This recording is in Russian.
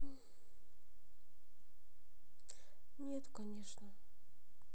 нету конечно